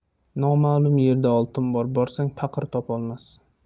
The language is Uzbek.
noma'lum yerda oltin bor borsang paqir topilmas